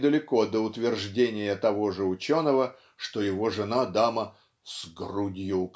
недалеко до утверждения того же ученого что его жена дама "с грудью